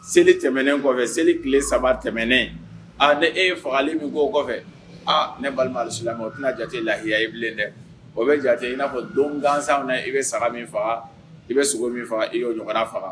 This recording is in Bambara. Seli tɛmɛnen kɔfɛ seli tile saba tɛmɛnen aa ni e ye fagali min ko o kɔfɛ ne balimasi o tɛna jate lahiya ye bilen dɛ o bɛ jate i n'a fɔ don gansa na i bɛ saga min faga i bɛ sogo min faa i' jɔna faga